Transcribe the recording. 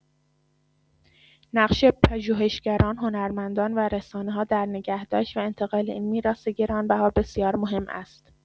نقش پژوهشگران، هنرمندان و رسانه‌ها در نگه‌داشت و انتقال این میراث گران‌بها بسیار مهم است.